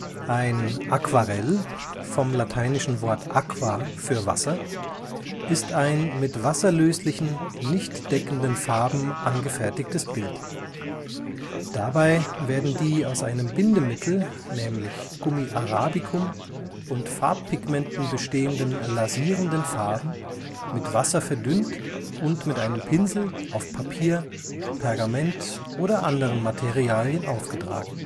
Ein Aquarell (von lat. aqua „ Wasser “) ist ein mit wasserlöslichen, nicht deckenden Farben angefertigtes Bild. Dabei werden die aus einem Bindemittel (Gummi arabicum) und Farbpigmenten bestehenden lasierenden Farben mit Wasser verdünnt und mit einem Pinsel auf Papier, Pergament oder andere Materialien aufgetragen